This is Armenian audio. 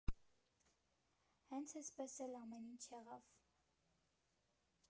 Հենց էսպես էլ ամեն ինչ եղավ.